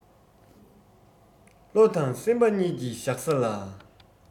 བློ དང སེམས པ གཉིས ཀྱི བཞག ས ལ